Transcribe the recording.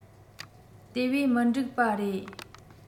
དེ བས མི འགྲིག པ རེད